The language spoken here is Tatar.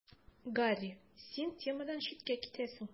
Гарри: Син темадан читкә китәсең.